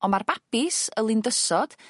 On' ma'r bapis y lundysod